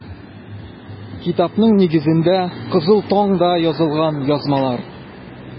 Китапның нигезендә - “Кызыл таң”да басылган язмалар.